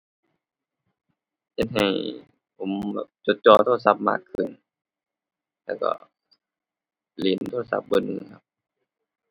เฮ็ดให้ผมแบบจดจ่อโทรศัพท์มากขึ้น แล้วก็เล่นโทรศัพท์เบิดมื้อครับ